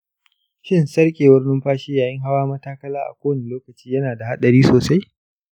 shin sarƙewar numfashi yayin hawan matakala a kowane lokaci yana da haɗari sosai?